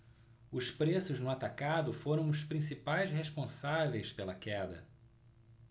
os preços no atacado foram os principais responsáveis pela queda